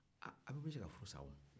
aw bɛɛ bɛ jɛ ka furu sa